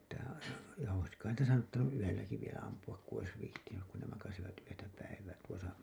tähän - ja olisi kai niitä saattanut yölläkin vielä ampua kun olisi viitsinyt kun ne makasivat yötä päivää tuossa